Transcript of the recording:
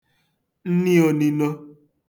nni ōnīnō